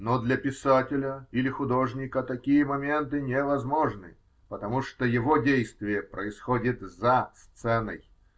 Но для писателя или художника такие моменты невозможны, потому что его действие происходит за сценой.